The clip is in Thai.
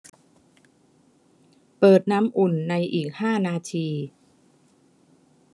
เปิดน้ำอุ่นในอีกห้านาที